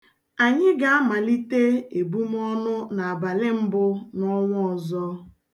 Anyị ga-amalite ebumọnụ n'abalị mbụ n'ọnwa ọzọ.